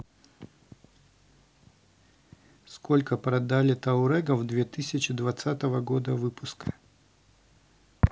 сколько продали таурегов две тысячи двадцатого года выпуска